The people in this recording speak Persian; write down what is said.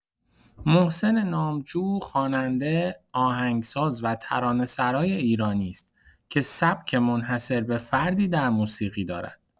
محسن نامجو خواننده، آهنگساز و ترانه‌سرای ایرانی است که سبک منحصربه‌فردی در موسیقی دارد.